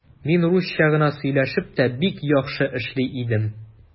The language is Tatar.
Мин русча гына сөйләшеп тә бик яхшы эшли идем.